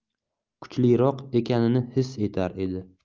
kuchliroq ekanini his etar edi